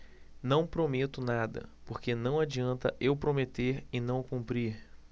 não prometo nada porque não adianta eu prometer e não cumprir